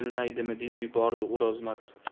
yu bilmaydimi deb yubordi o'rozmat